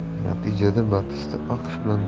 natija batista aqsh bilan